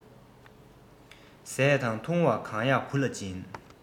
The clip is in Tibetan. བཟས དང བཏུང བ གང ཡག བུ ལ སྦྱིན